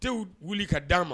Te wuli ka d dia ma